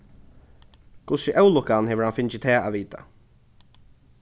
hvussu ólukkan hevur hann fingið tað at vita